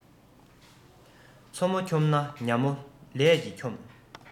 མཚོ མོ འཁྱོམས ན ཉ མོ ལས ཀྱིས འཁྱོམ